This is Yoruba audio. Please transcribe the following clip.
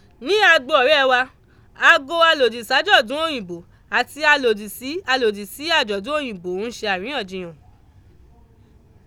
Ní agbo ọ̀rẹ́ẹ wa, àgọ́ alòdìsí àjọ̀dún Òyìnbó àti alòdìsí alòdìsí àjọ̀dún Òyìnbó ń ṣe àríyànjiyàn.